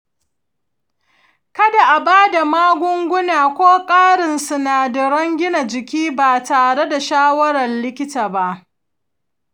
kada a ba da magunguna ko ƙarin sinadaran gina jiki ba tare da shawarar likita ba.